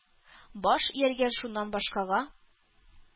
Баш ияргә шуннан башкага!